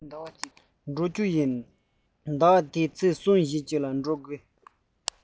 འགྲོ རྒྱུ ཡིན ཟླ བ འདིའི ཚེས གསུམ བཞི ཅིག ལ འགྲོ གི ཡིན